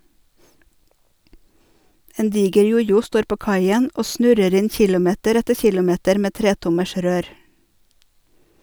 En diger jojo står på kaien og snurrer inn kilometer etter kilometer med 3-tommers rør.